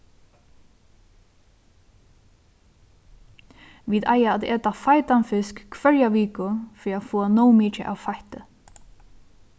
vit eiga at eta feitan fisk hvørja viku fyri at fáa nóg mikið av feitti